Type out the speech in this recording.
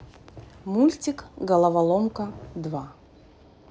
мультик головоломка два